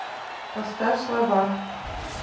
поставь слова